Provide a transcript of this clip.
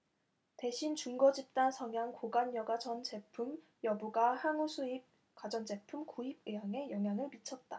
대신 준거집단 성향 고관여가전제품 여부가 향후수입 가전제품 구입 의향에 영향을 미쳤다